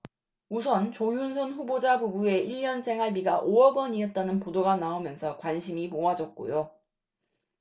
우선 조윤선 후보자 부부의 일 년 생활비가 오 억 원이었다는 보도가 나오면서 관심이 모아졌고요